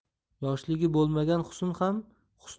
yoshligi bo'lmagan husn ham husni